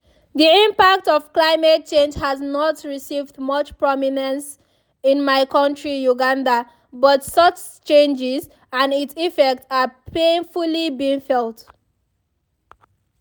The impact of climate change has not received much prominence in my country Uganda but such changes and its effects are painfully being felt.